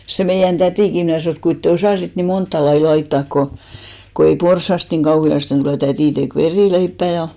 se meidän tätikin minä sanoin että kuinka te osasitte niin montaa lajia laittaa kun kun ei porsaasta niin kauheasti tule täti teki verileipää ja